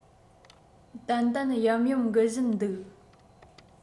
ཏན ཏན ཡམ ཡོམ འགུལ བཞིན འདུག